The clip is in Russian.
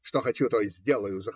Что хочу, то л сделаю.